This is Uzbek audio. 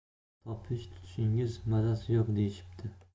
topish tutishingizning mazasi yo'q deyishibdi